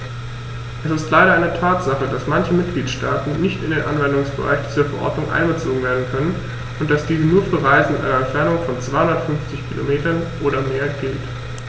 Es ist leider eine Tatsache, dass manche Mitgliedstaaten nicht in den Anwendungsbereich dieser Verordnung einbezogen werden können und dass diese nur für Reisen mit einer Entfernung von 250 km oder mehr gilt.